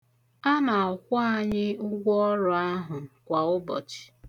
Ana-akwụ anyị ụgwọ ọrụ ahụ kwa ụbọchị.